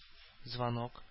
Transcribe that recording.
Звонок